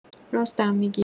راستم می‌گی